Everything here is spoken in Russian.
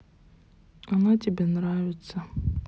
она тебе нравится